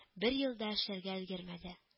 Бер ел да эшләргә өлгермәде